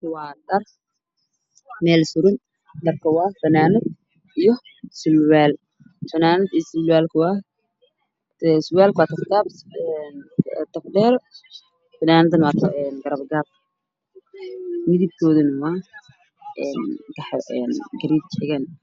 Waxaa ii muuqday isku joog dhar ah oo suran derbi waxayna kala yihiin fanaanad iyo surwaal ka midabkiisu waa caddaan iyo madow fanaanadana waa caddaan iyo madow